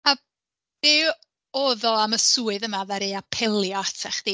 A be oedd o am y swydd yma ddaru apelio atach chdi?